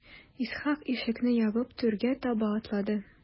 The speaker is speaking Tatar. Исхак ишекне ябып түргә таба атлады.